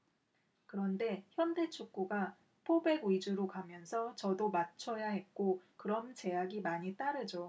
그런데 현대축구가 포백 위주로 가면서 저도 맞춰야 했고 그럼 제약이 많이 따르죠